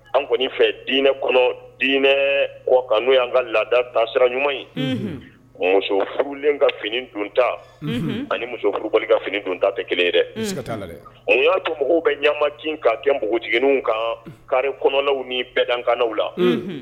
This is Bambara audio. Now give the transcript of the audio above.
An kɔni fɛ dinɛ kɔnɔ dinɛ kɔ ka n'o y'an ka laada tasira ɲuman in muso furulen ka fini dun ta ani muso furuli ka fini dun ta tɛ kelen ye dɛ o y'a to mɔgɔw bɛ ɲama kin ka kɛ npogoigininw kan kari kɔnɔnaw ni bɛɛ dankananaw la